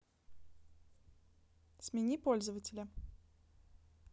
смени пользователя